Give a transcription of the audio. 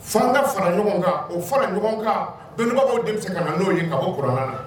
Fanga fara ɲɔgɔn kan o fara ɲɔgɔn kan bɛn de ka na n'o yeuran na